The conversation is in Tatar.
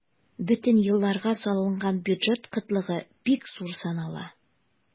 Бөтен елларга салынган бюджет кытлыгы бик зур санала.